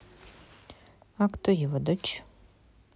а кто его дочь